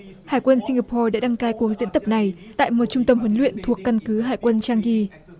hải quân sing ga po đăng cai cuộc diễn tập này tại một trung tâm huấn luyện thuộc căn cứ hải quân chang ghi